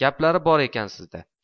gaplari bor ekan sizda